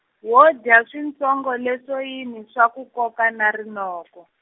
wo dya switshongo leswo yini swa ku koka na rinoko?